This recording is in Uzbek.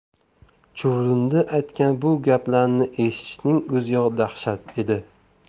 chuvrindi aytgan bu gaplarni eshitishning o'ziyoq dahshat edi